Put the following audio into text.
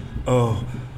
Ɔ